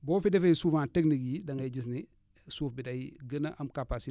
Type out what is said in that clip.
boo fi defee souvent technique yii da ngay gis nisuuf bi day gën a am capaci